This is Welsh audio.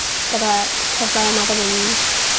bydde cyfle yna ddim yn